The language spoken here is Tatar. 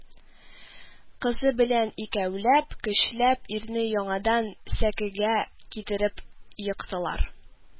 Кызы белән икәүләп, көчләп ирне яңадан сәкегә китереп ектылар